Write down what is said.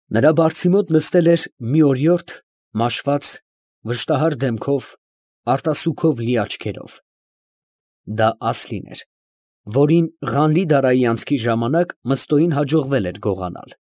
Նրա բարձի մոտ նստել էր մի օրիորդ մաշված, վշտահար դեմքով արտասուքով լի աչքերով, ֊ դա Ասլին էր, որին Ղանլի֊Դարայի անցքի ժամանակ Մըստոյին հաջողվել էր գողանալ։